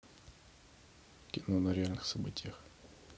кино на реальных событиях